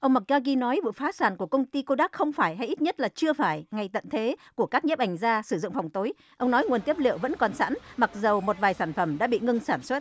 ông mạc ca đi nói vụ phá sản của công ty cô đắc không phải hay ít nhất là chưa phải ngày tận thế của các nhiếp ảnh gia sử dụng phòng tối ông nói nguồn tiếp liệu vẫn còn sẵn mặc dầu một vài sản phẩm đã bị ngừng sản xuất